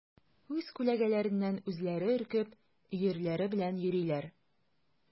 Үз күләгәләреннән үзләре өркеп, өерләре белән йөриләр.